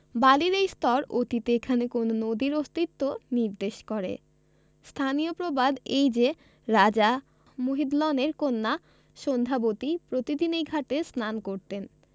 বালির এই স্তর অতীতে এখানে কোন নদীর অস্তিত্ব নির্দেশ করে স্থানীয় প্রবাদ এই যে রাজা মহিদলনের কন্যা সন্ধ্যাবতী প্রতিদিন এই ঘাটে স্নান করতেন